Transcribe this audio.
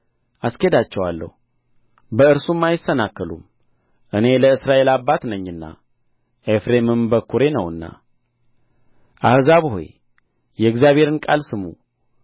አስኬዳቸዋለሁ በእርሱም አይሰናከሉም እኔ ለእስራኤል አባት ነኝና ኤፍሬምም በኵሬ ነውና አሕዛብ ሆይ የእግዚአብሔርን ቃል ስሙ